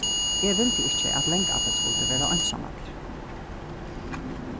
eg vildi ikki at langabbi skuldi vera einsamallur